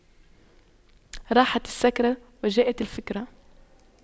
راحت السكرة وجاءت الفكرة